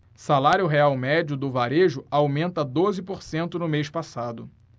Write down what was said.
salário real médio do varejo aumenta doze por cento no mês passado